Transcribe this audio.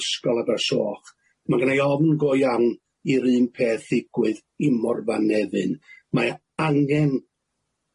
ysgol Abersoch. Ma' gennai ofn go iawn i'r un peth ddigwydd i Morfa Nefyn. Mae angen